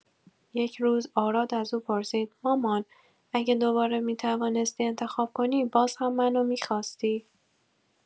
یک روز، آراد از او پرسید: «مامان، اگه دوباره می‌توانستی انتخاب کنی، باز هم منو می‌خواستی؟»